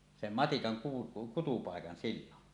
sen matikan - kutupaikan silloin